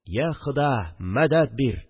– йа хода, мәдәт бир